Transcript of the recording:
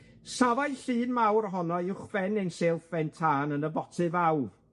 Safai llun mawr ohono uwchben ein silff ben tân yn y boti fawr,